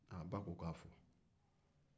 a ko awɔ